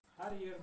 har yerda elak